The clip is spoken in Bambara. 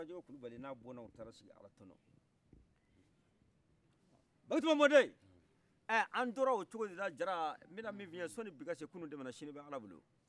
surakajɛkɛ kulubali n'a ka bɔna u tara sigi alatono baki tuma mɔden ɛ an tora o cogo de la diara nbina min fi ɲɛna sɔni bi kase kunu tɛmɛna sinin bɛ alabolo